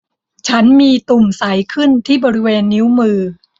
ฉันมีตุ่มใสขึ้นที่บริเวณนิ้วมือ